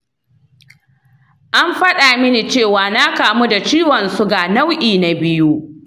an fada mini cewa na kamu da ciwon suga nau'i na biyu.